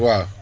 waaw